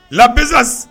Labsa